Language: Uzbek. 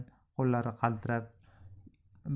qo'llari qaltirab